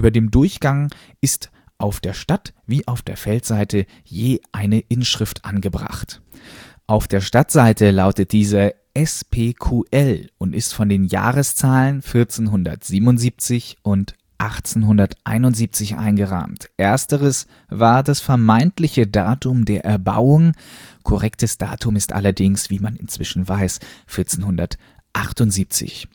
dem Durchgang ist auf der Stadt - wie auf der Feldseite je eine Inschrift angebracht. Auf der Stadtseite lautet diese: S.P.Q.L. und ist von den Jahreszahlen 1477 und 1871 eingerahmt; ersteres war das vermeintliche Datum der Erbauung (korrektes Datum ist allerdings, wie man inzwischen weiß, 1478